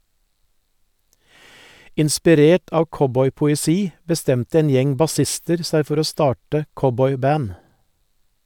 Inspirert av cowboypoesi bestemte en gjeng bassister seg for å starte cowboyband.